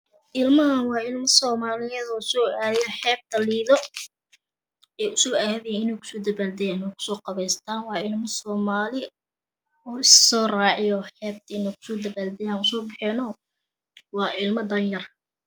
Ilmahan waa ilmo somaliyed so aden xebta liido ey uso aden iney ku so dabal dagan iney kuso qabesta wye ilmo soomaali oo is Soo raciyo xebta iney ku dabal dagan u so baxeno waa limo Dan yar